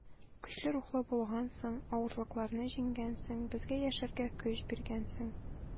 Көчле рухлы булгансың, авырлыкларны җиңгәнсең, безгә яшәргә көч биргәнсең.